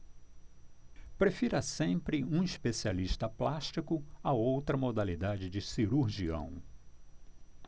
prefira sempre um especialista plástico a outra modalidade de cirurgião